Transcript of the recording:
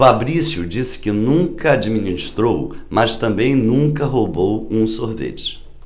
fabrício disse que nunca administrou mas também nunca roubou um sorvete